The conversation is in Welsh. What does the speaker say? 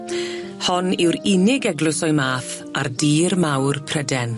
Hon yw'r unig eglws o'i math ar dir mawr Pryden.